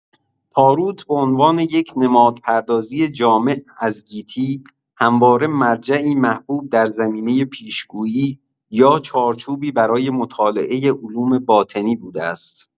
تاروت، به عنوان یک نمادپردازی جامع از گیتی، همواره مرجعی محبوب در زمینه پیشگویی یا چارچوبی برای مطالعه علوم باطنی بوده است.